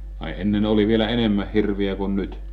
ai ennen oli vielä enemmän hirviä kuin nyt